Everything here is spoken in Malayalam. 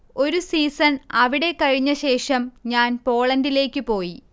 ഒരു സീസൺ അവിടെ കഴിഞ്ഞശേഷം ഞാൻ പോളണ്ടിലേയ്ക്ക് പോയി